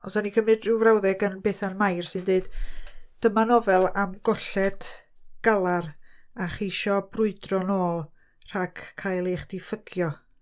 Os sa ni'n cymryd rhyw frawddeg gan Bethan Mair sy'n dweud "dyma nofel am golled, galar a cheisio brwydro nôl rhag cael eich ddiffygio".